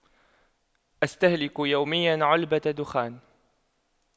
استهلك يوميا علبة دخان